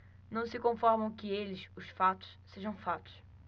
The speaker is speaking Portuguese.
não se conformam que eles os fatos sejam fatos